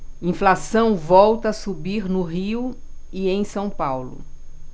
inflação volta a subir no rio e em são paulo